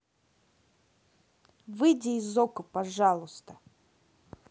выйди из okko пожалуйста